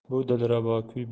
bu dilrabo kuy